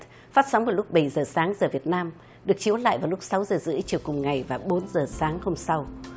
phát sóng vào lúc bảy giờ sáng giờ việt nam được chiếu lại vào lúc sáu giờ rưỡi chiều cùng ngày và bốn giờ sáng hôm sau